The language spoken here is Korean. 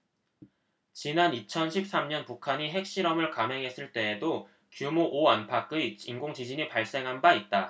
지난 이천 십 삼 년 북한이 핵실험을 감행했을 때에도 규모 오 안팎의 인공지진이 발생한 바 있다